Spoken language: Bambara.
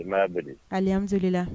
A muso la